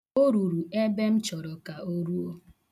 O ruru ebe m chọrọ ka o ruo.